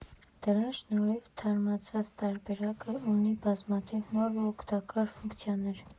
Դրա շնորհիվ թարմացված տարբերակը ունի բազմաթիվ նոր ու օգտակար ֆունկցիաներ։